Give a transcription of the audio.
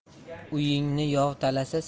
uyingni yov talasa